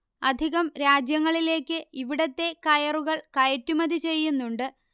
അധികം രാജ്യങ്ങളിലേക്ക് ഇവിടത്തെ കയറുകൾ കയറ്റുമതി ചെയ്യുന്നുണ്ട്